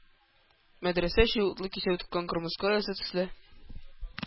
Мәдрәсә эче, утлы кисәү тыккан кырмыска оясы төсле,